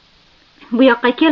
bu yoqqa kel